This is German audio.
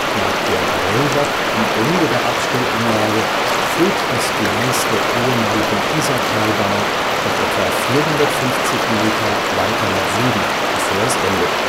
Nach dem Prellbock am Ende der Abstellanlage führt das Gleis der ehemaligen Isartalbahn noch etwa 450 Meter weiter nach Süden, bevor es endet